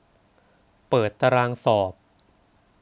เปิดตารางสอบ